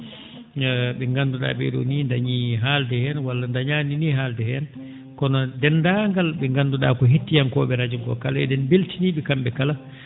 ?e nganndu?aa ?ee ?oo nii dañii haalde heen walla dañaani nii haalde heen kono deenndaangal ?e nganndu?aa ko hettiyankoo ?e radio ngoo kala en mbeltinii ?e kam?e kala